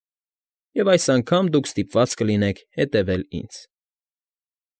Եվ այս անգամ դուք ստիպված կլինեք հետևել ինձ։